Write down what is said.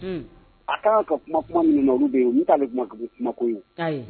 Un ! A ka kan ka kuma, kuma mi na, olu bɛ yen, ninnu t'ale kuma ko ye o, ayi, ayi.